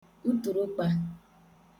utùrukpa